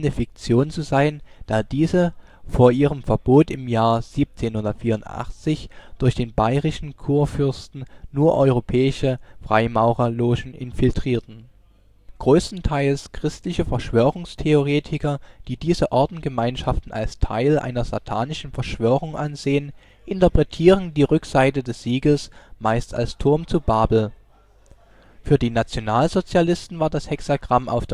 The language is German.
Fiktion zu sein, da diese vor ihrem Verbot im Jahr 1784 durch den bayerischen Kurfürsten, nur europäische Freimaurerlogen infiltrierten. Größtenteils christliche Verschwörungstheoretiker, die diese Ordengemeinschaften als Teil einer satanischen Verschwörung ansehen, interpretieren die Rückseite des Siegels meist als Turm zu Babel. Für die Nationalsozialisten war das Hexagramm auf